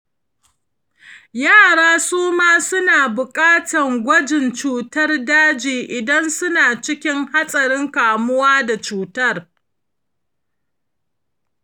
yara suma suna bukatan kwajin cutar daji idan suna cikin hatsarin kamuwa da cutar.